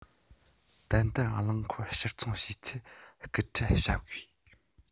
ཏན ཏན རླངས འཁོར ཕྱིར ཚོང བྱེད ཚད སྐུལ ཁྲིད བྱ དགོས